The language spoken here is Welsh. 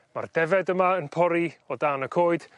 Ma'r defed yma yn porri o dan y coed